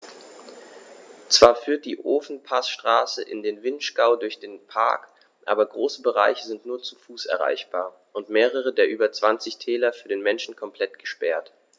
Zwar führt die Ofenpassstraße in den Vinschgau durch den Park, aber große Bereiche sind nur zu Fuß erreichbar und mehrere der über 20 Täler für den Menschen komplett gesperrt.